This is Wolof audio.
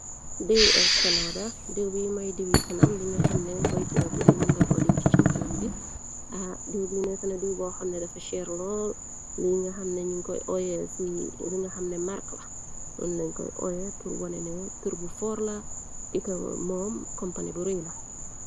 Diwi scalooda diw bi moy diiw i kanam bi nga xam ne boy ti dagu de y mën nga ko diw ci ca kanam bi a diw bi nekna diw bo xam ne dafa sheer loo li nga xam nañuñ koy oye li nga xam ne mark la noñ nañ koy oye pur wone ne tur bu foorla gika moom kompani bu ray la.